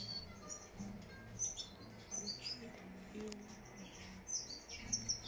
включи йогу